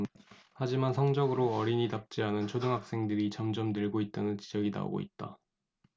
하지만 성적으로 어린이 답지 않은 초등학생들이 점점 늘고 있다는 지적이 나오고 있다